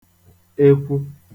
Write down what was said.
ekwu